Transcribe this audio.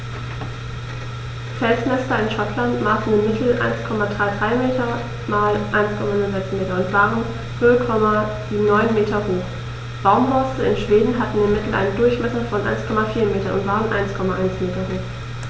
Felsnester in Schottland maßen im Mittel 1,33 m x 1,06 m und waren 0,79 m hoch, Baumhorste in Schweden hatten im Mittel einen Durchmesser von 1,4 m und waren 1,1 m hoch.